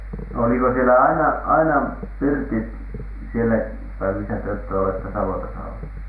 no oliko siellä aina aina pirtit siellä päin missä te olette olleet kun savotassa -